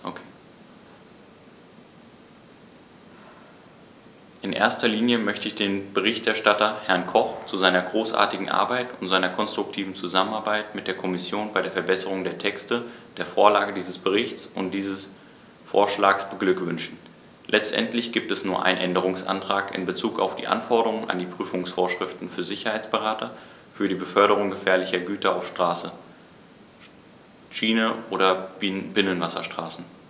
In erster Linie möchte ich den Berichterstatter, Herrn Koch, zu seiner großartigen Arbeit und seiner konstruktiven Zusammenarbeit mit der Kommission bei der Verbesserung der Texte, der Vorlage dieses Berichts und dieses Vorschlags beglückwünschen; letztendlich gibt es nur einen Änderungsantrag in bezug auf die Anforderungen an die Prüfungsvorschriften für Sicherheitsberater für die Beförderung gefährlicher Güter auf Straße, Schiene oder Binnenwasserstraßen.